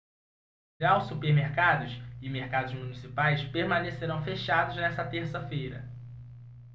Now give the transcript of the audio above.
já os supermercados e mercados municipais permanecerão fechados nesta terça-feira